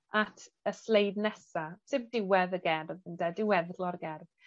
at y sleid nesa sef diwedd y gerdd ynde diweddglo'r gerdd.